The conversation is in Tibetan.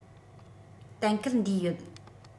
གཏན འཁེལ འདུས ཡོད